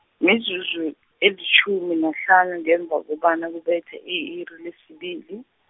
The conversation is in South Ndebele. mizuzu, elitjhumi nahlanu ngemva kobana kubethe i-iri lesibili.